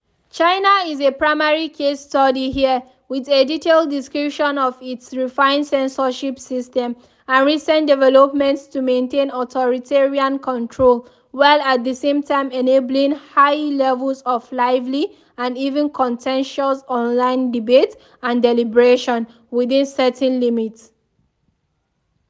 China is a primary case study here, with a detailed description of its refined censorship system and recent developments to maintain authoritarian control, while at the same time enabling, “…high levels of lively and even contentious online debate and deliberation, within certain limits.”